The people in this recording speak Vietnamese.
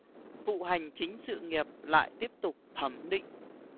vụ hành chính sự nghiệp lại tiếp tục thẩm định